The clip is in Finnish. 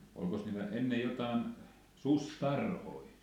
olikos niillä ennen jotakin susitarhoja